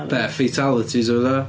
Be fatalities a bethau?